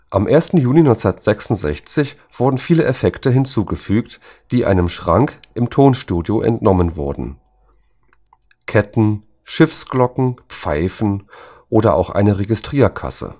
Am 1. Juni 1966 wurden viele Effekte hinzugefügt, die einem Schrank im Tonstudio entnommen wurden: Ketten, Schiffsglocken, Pfeifen oder auch eine Registrierkasse